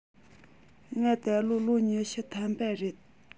ང ད ལོ ལོ ཉི ཤུ ཐམ པ རེད